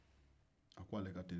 a ko ale ka teli